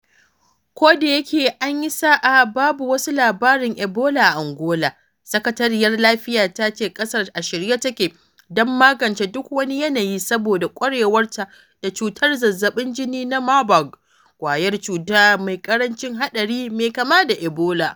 Ko da yake an yi sa’a babu wasu labarin Ebola a Angola, sakatariyar lafiya ta ce ƙasar a shirye take don magance duk wani yanayi saboda kwarewarta da cutar zazzabin jini na Marburg, ƙwayar cuta mai ƙarancin haɗari mai kama da Ebola.